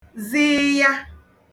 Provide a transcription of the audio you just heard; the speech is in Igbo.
zịịya